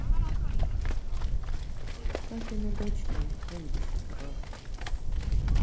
папины дочки семьдесят два